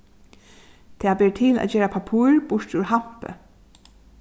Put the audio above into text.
tað ber til at gera pappír burtur úr hampi